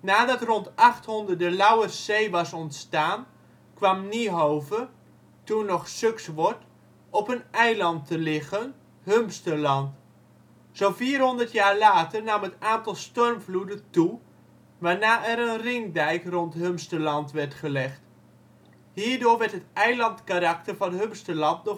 Nadat rond 800 de Lauwerszee was ontstaan, kwam Niehove (toen nog Suxwort) op een eiland te liggen, Humsterland. Zo 'n 400 jaar later nam het aantal stormvloeden toe, waarna er een ringdijk rond Humsterland werd gelegd. Hierdoor werd het eilandkarakter van Humsterland